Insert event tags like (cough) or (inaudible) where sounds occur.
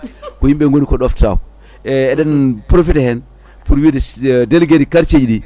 (laughs) ko yimɓe gooni ko ɗoftotako e eɗen profita hen pour wiide (hesitation) délégué de quartier jiɗi